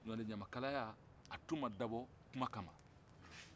ɲamakalaya a tun ma dabɔ kuman kama